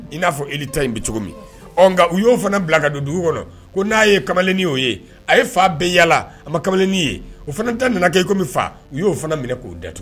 I n'a fɔ ta yen bɛ cogo min ɔ nka u y'o fana bila ka don dugu kɔnɔ ko n'a ye kamalennin' ye a ye fa bɛn yaala a ma kamalennin ye o fana ta nana kɛ i faa u y'o fana minɛ k'o da tugun